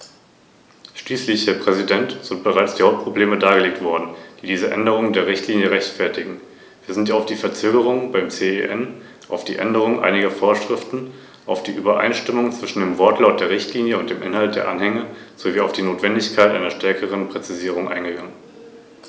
Wenn die Frau Kommissarin das heute nicht machen kann, wäre sie dann bereit, dem Ausschuss schriftlich den Stand der Dinge und den Stand der Verhandlungen zwischen CEN und Wirtschaftskommission zu übermitteln?